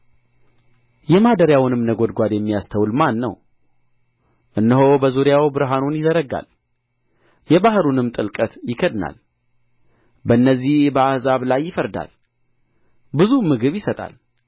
የማደሪያውንም ነጐድጓድ የሚያስተውል ማን ነው እነሆ በዙሪያው ብርሃኑን ይዘረጋል የባሕሩንም ጥልቀት ይከድናል በእነዚህ በአሕዛብ ላይ ይፈርዳል ብዙም ምግብ ይሰጣል